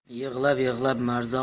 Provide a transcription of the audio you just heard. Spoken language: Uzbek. yig'lab yig'lab marza